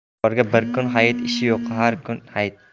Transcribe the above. ishi borga bir kun hayit ishi yo'qqa har kun hayit